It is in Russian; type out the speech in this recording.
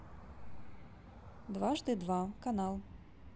дважды два канал